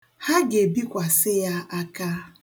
Ha ga-ebikwasị ya aka.